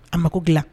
A mako dilan